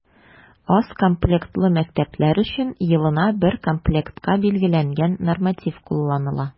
Аз комплектлы мәктәпләр өчен елына бер комплектка билгеләнгән норматив кулланыла.